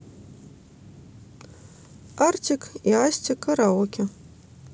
артик и асти караоке